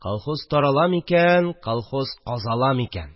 Колхоз тарала микән? Колхоз казала микән?